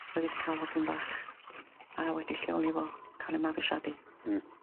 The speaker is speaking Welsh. Oedd 'i 'di ca'l hogyn bach a wedi lleoli fo ca'l ei mabwysiadi. Hmm.